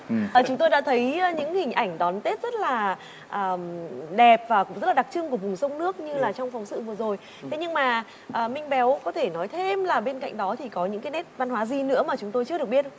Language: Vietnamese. à chúng tôi đã thấy những hình ảnh đón tết rất là à đẹp và cũng rất là đặc trưng của vùng sông nước như là trong phóng sự vừa rồi thế nhưng mà mà minh béo có thể nói thêm là bên cạnh đó thì có những cái nét văn hóa gì nữa mà chúng tôi chưa được biết không